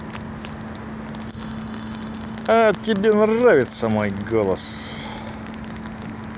а тебе нравится мой голос